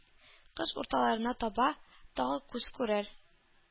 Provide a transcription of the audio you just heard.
Кыш урталарына таба тагы күз күрер.